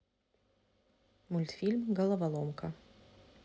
мультфильм головоломка